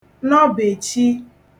nọbèchi